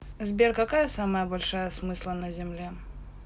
сбер какая самая большая смысла на земле